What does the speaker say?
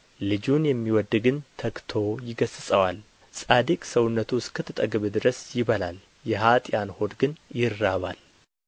ልጁን የሚወድድ ግን ተግቶ ይገሥጻዋል ጻድቅ ሰውነቱ እስክትጠግብ ድረስ ይበላል የኀጥኣን ሆድ ግን ይራባል